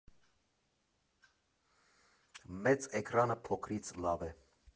Մեծ էկրանը փոքրից լավ է։